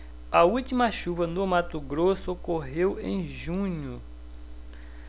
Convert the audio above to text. a última chuva no mato grosso ocorreu em junho